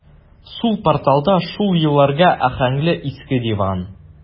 Сул порталда шул елларга аһәңле иске диван.